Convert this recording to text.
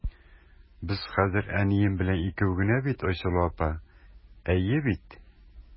Без хәзер әнием белән икәү генә бит, Айсылу апа, әйе бит?